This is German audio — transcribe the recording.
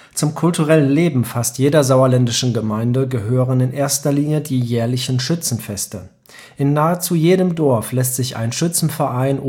Zum kulturellen Leben fast jeder sauerländischen Gemeinde gehören in erster Linie die jährlichen Schützenfeste. In nahezu jedem Dorf lässt sich ein Schützenverein